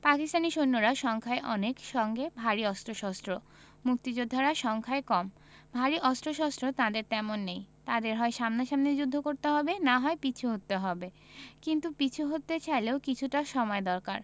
পাকিস্তানি সৈন্যরা সংখ্যায় অনেক সঙ্গে ভারী অস্ত্রশস্ত্র মুক্তিযোদ্ধারা সংখ্যায় কম ভারী অস্ত্রশস্ত্র তাঁদের তেমন নেই তাঁদের হয় সামনাসামনি যুদ্ধ করতে হবে না হয় পিছু হটতে হবে কিন্তু পিছু হটতে চাইলেও কিছুটা সময় দরকার